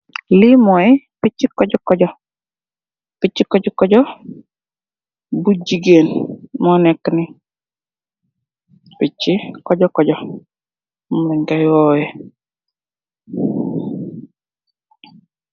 Lee moye Peche kujuh kujuh , peche kujuh kujuh bu jegain mu neke nee Peche kujuh kujuh mugkoye oyeh.